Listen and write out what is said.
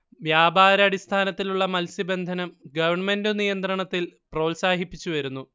വ്യാപാരാടിസ്ഥാനത്തിലുള്ള മത്സ്യബന്ധനം ഗണ്മെന്റു നിയന്ത്രണത്തിൽ പ്രോത്സാഹിപ്പിച്ചു വരുന്നു